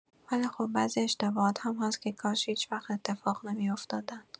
ولی خب، بعضی اشتباهات هم هست که کاش هیچ‌وقت اتفاق نمی‌افتادن.